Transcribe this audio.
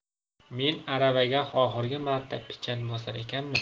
men aravaga oxirgi marta pichan bosar ekanman